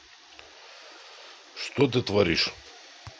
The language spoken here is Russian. ты что творишь